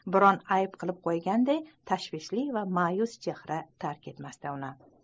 biron ayb qilib qo'yganday tashvishli va ma'yus edi